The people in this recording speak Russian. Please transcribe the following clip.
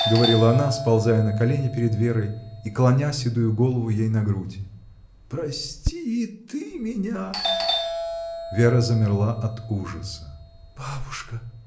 — говорила она, сползая на колени перед Верой и клоня седую голову ей на грудь. — Прости и ты меня! Вера замерла от ужаса. — Бабушка.